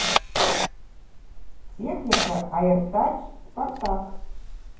техника аиртач спартак